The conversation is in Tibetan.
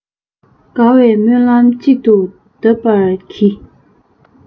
དགའ བའི སྨོན ལམ གཅིག ཏུ གདབ པར བགྱི